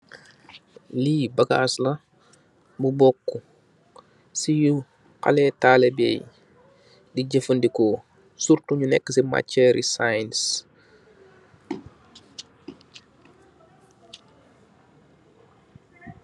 Lii bagass la bu boku cii yu haleh talibeh yii di jeufandihkor, surtout nju neka ci macherre science.